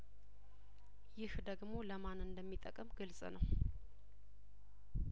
ይህ ደግሞ ለማን እንደሚጠቅም ግልጽ ነው